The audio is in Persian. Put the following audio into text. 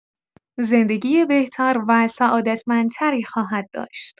زندگی بهتر و سعادتمندتری خواهد داشت.